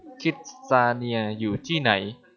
คิดส์ซาเนียอยู่ที่ไหน